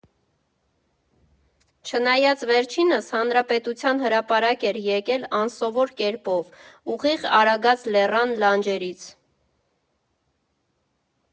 Չնայած, վերջինս Հանրապետության հրապարակ էր եկել անսովոր կերպով՝ ուղիղ Արագած լեռան լանջերից։